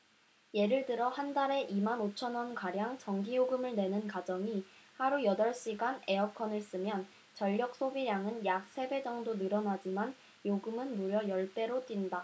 예를 들어 한 달에 이 만 오천 원가량 전기요금을 내는 가정이 하루 여덟 시간 에어컨을 쓰면 전력 소비량은 약 세 배 정도 늘어나지만 요금은 무려 열 배로 뛴다